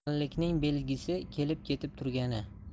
yaqinlikning belgisi kelib ketib turgani